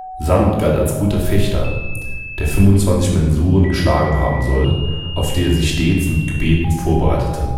Sand galt als guter Fechter, der 25 Mensuren geschlagen haben soll, auf die er sich stets mit Gebeten vorbereitete